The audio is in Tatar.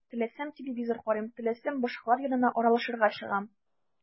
Теләсәм – телевизор карыйм, теләсәм – башкалар янына аралашырга чыгам.